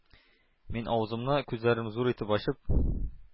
Мин, авызымны, күзләремне зур итеп ачып,